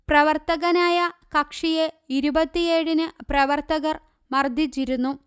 പ്രവർത്തകനായ കക്ഷിയെ ഇരുപത്തിയേഴിന് പ്രവർത്തകർ മർദ്ദിച്ചിരുന്നു